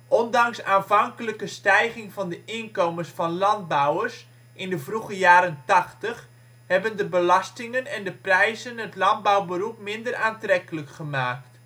Ondanks aanvankelijke stijging van de inkomens van landbouwers in de vroege jaren tachtig hebben de belastingen en de prijzen het landbouwberoep minder aantrekkelijk gemaakt